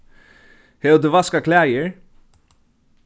hevur tú vaskað klæðir